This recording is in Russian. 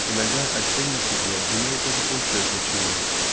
иногда отдельный судья имеет даже большее значение